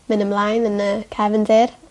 myn' ymlaen yn y cefndir.